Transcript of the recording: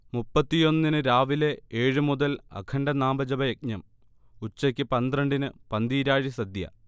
മുപ്പത്തിയൊന്നിന് രാവിലെ ഏഴുമുതൽ അഖണ്ഡ നാമജപയജ്ഞം, ഉച്ചയ്ക്ക് പന്ത്രണ്ടിന് പന്തീരാഴി സദ്യ